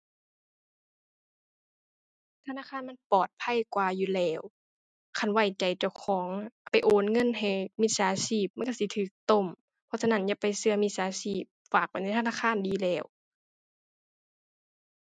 ธนาคารมันปลอดภัยกว่าอยู่แล้ว คันไว้ใจเจ้าของไปโอนเงินให้มิจฉาชีพ มันก็สิก็ต้ม เพราะฉะนั้นอย่าไปเชื่อมิจฉาชีพ ฝากไว้ในธนาคารดีแล้ว